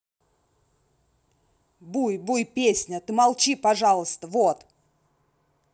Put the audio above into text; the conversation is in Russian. буй буй песня ты молчи пожалуйста вот